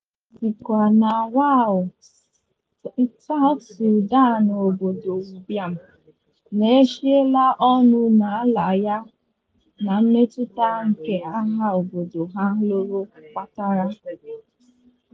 Deng sikwa na Wau, South Sudan, obodo ụbịam na-eshiela ọnụ n’ala yana mmetụta nke agha obodo ha lụrụ kpatara